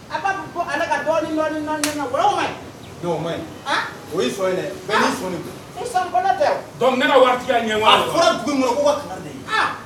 A ba ko ala ka o ma o dɛ waatiya ɲɛ wa g ka